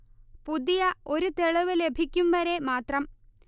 പുതിയ ഒരു തെളിവ് ലഭിക്കും വരെ മാത്രം